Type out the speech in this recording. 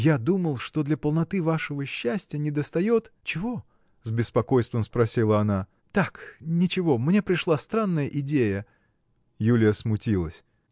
– Я думал, что для полноты нашего счастья недостает. – Чего? – с беспокойством спросила она. – Так, ничего! мне пришла странная идея. Юлия смутилась.